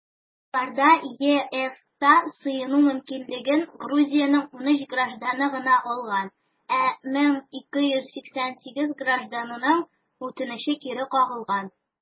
Гыйнварда ЕСта сыену мөмкинлеген Грузиянең 13 гражданы гына алган, ә 1288 гражданның үтенече кире кагылган.